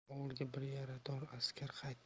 ovulga bir yarador askar qaytadi